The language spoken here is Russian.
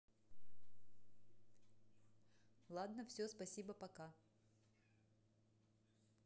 ладно все спасибо пока